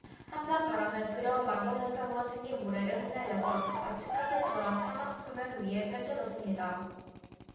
한편 바람은 그러한 마모 현상으로 생긴 모래를 흩날려서 마치 카펫처럼 사막 표면 위에 펼쳐 놓습니다